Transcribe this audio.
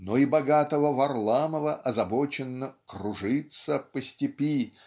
но и богатого Варламова озабоченно "кружиться" по степи